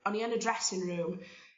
o'n i yn y dressing room